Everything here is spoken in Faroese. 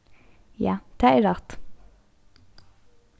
ja tað er rætt